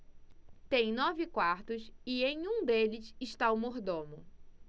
tem nove quartos e em um deles está o mordomo